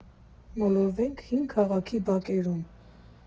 Մոլորվեք հին քաղաքի բակերում։